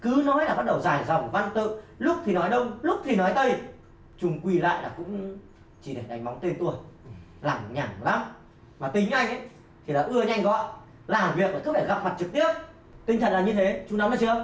cứ nói là bắt đầu dài dòng văn tự lúc thì nói đông lúc thì nói tây chung quy lại là cũng chỉ để đánh bóng tên tuổi lằng nhằng lắm mà tính anh thì là ưa nhanh gọn làm việc là cứ phải gặp mặt trực tiếp tinh thần là như thế chú nắm được chưa